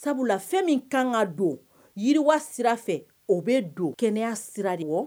Sabula fɛn min kan ka don yiriwa sira fɛ o bɛ don kɛnɛyaya sira de